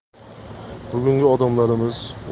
bugungi odamlarimiz